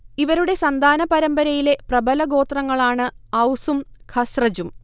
ഇവരുടെ സന്താന പരമ്പരയിലെ പ്രബല ഗോത്രങ്ങളാണ് ഔസും ഖസ്റജും